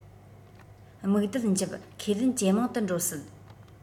སྨུག རྡུལ འཇིབ ཁས ལེན ཇེ མང དུ འགྲོ སྲིད